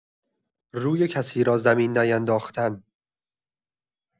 روی کسی را زمین نینداختن